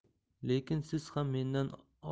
lekin siz ham